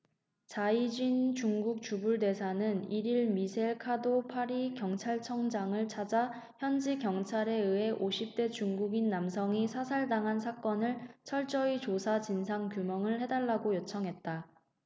자이쥔 중국 주불대사는 일 일 미셀 카도 파리 경찰청장을 찾아 현지 경찰에 의해 오십 대 중국인 남성이 사살당한 사건을 철저히 조사 진상을 규명해달라고 요청했다